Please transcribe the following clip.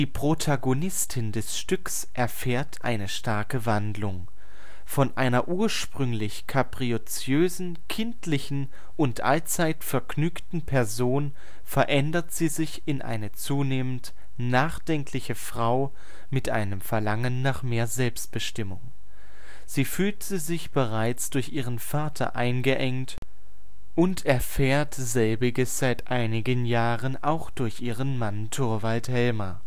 Protagonistin des Stücks erfährt eine starke Wandlung. Von einer ursprünglich kapriziösen, kindlichen und allzeit vergnügten Person verändert sie sich in eine zunehmend nachdenkliche Frau mit einem Verlangen nach mehr Selbstbestimmung. Sie fühlte sich bereits durch ihren Vater eingeengt und erfährt selbiges seit einigen Jahren auch durch ihren Mann Torvald Helmer